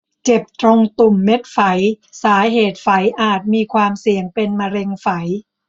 เจ็บตรงตุ่มเม็ดไฝสาเหตุไฝอาจมีความเสี่ยงเป็นมะเร็งไฝ